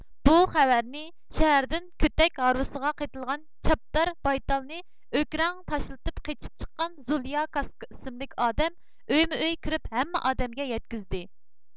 بۇ خەۋەرنى شەھەردىن كۆتەك ھارۋىسىغا قېتىلغان چابدار بايتالنى ئۆكىرەڭ تاشلىتىپ قېچىپ چىققان زۇليا كاسكا ئىسىملىك ئادەم ئۆيمۇ ئۆي كىرىپ ھەممە ئادەمگە يەتكۈزدى